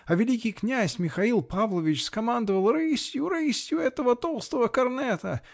а великий князь Михаил Павлович скомандовал: "Рысью, рысью этого толстого корнета!